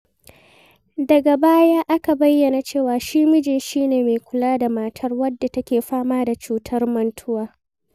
Daga baya aka bayyana cewa shi mijin shi ne mai kula da matar, wadda take fama da cutar mantuwa.